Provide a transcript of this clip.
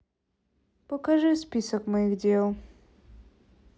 покажи список моих дел